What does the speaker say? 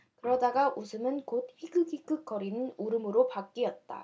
그러다가 웃음은 곧 히끅히끅 거리는 울음으로 바뀌었다